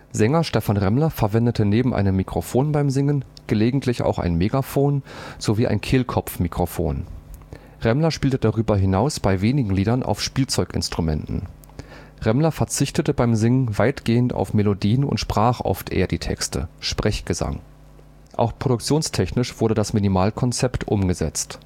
Sänger Stephan Remmler verwendete neben einem Mikrofon beim Singen gelegentlich ein Megafon sowie ein Kehlkopfmikrofon. Remmler spielte darüber hinaus bei wenigen Liedern auf Spielzeuginstrumenten. Remmler verzichtete beim Singen weitestgehend auf Melodien und sprach oft eher die Texte (Sprechgesang). Auch produktionstechnisch wurde das Minimal-Konzept umgesetzt